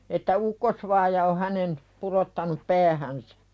että ukkosvaaja on hänen pudottanut päähänsä